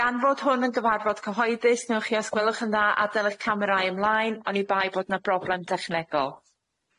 Gan fod hwn yn gyfarfod cyhoeddus newch chi os gwelwch yn dda adael eich camerâu ymlaen on' i bai bod 'na broblem dechnegol.